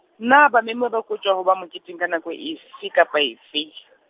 na ba memuwa ba koptjwa ho ba moketeng nako efe kapa efe ?